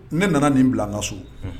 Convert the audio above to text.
Ne nana nin bila n ka so. Unhun